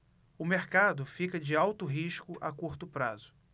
o mercado fica de alto risco a curto prazo